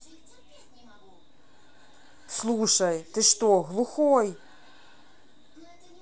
слушай ты что глухой